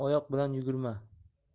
oyoq bilan yugurma